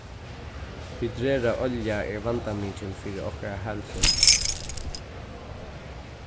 hydrerað olja er vandamikil fyri okkara heilsu